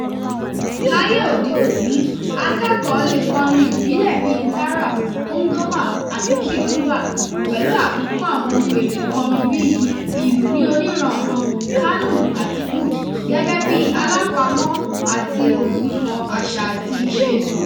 Láyé òde òní, akẹ́kọ̀ọ́ leè kọ́ orin ìbílẹ̀ bíi taarab, ngoma àti kidumbak, pẹ̀lú àfikún àwọn ohun èlò ìkọrin bíi ìlù ní oníranànran, qanun àti oud, gẹ́gẹ́ bí alápamọ́ — àti òǹgbifọ̀ — àṣà àti ìṣe.